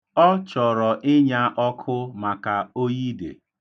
Ọ chọrọ ịnya ọkụ maka oyi dị.